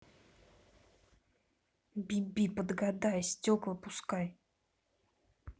би би подгадай стекла пускай